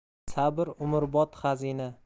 sabr umrbod xazina